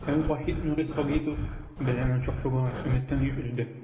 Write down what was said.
Һәм Вахит Нури Сагитов белән очрашуга өметен өзде.